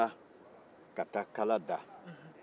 u taara ka taa kala da